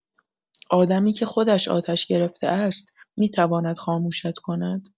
آدمی که خودش آتش گرفته است، می‌تواند خاموشت کند؟